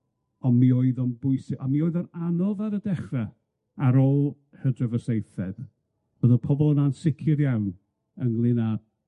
On' mi oedd o'n bwysi- a mi oedd o'n anodd ar y dechra, ar ôl Hydref y seithfed, o'dd y pobol yn ansicir iawn ynglŷn â...